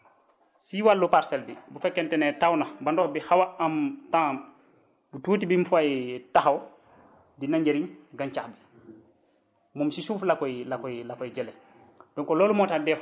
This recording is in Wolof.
te ndox nag si wàllu parcelle bi bu fekkente ne taw na ba ndox bi xaw a am temps tuuti bim fay taxaw dina njëriñ gàncax bi moom si suuf la koy la koy la koy jëlee